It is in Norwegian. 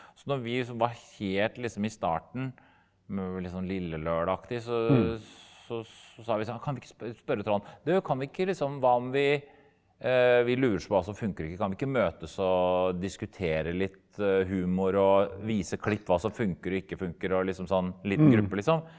så når vi liksom var helt liksom i starten med noe litt sånn Lillelørdag-aktig så så så sa vi sånn kan vi ikke spørre Trond du kan vi ikke liksom hva om vi vi lurer så på hva som funker og ikke kan vi ikke møtes og diskutere litt humor og vise klipp hva som funker og ikke funker og liksom sånn liten gruppe liksom.